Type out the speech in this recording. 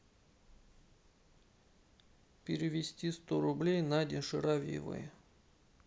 перевести сто рублей наде ширавьевой